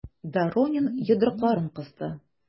Доронин йодрыкларын кысты.